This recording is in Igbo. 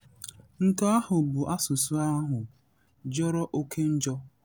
Nke Ahụ Bụ Asụsụ Ahụ Jọrọ Oke Njọ